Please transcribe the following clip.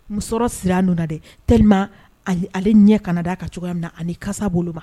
Musɔrɔ sira nun na dɛ. tellement ale ɲɛ kana da a ka cogo min na ani kasa bolo ma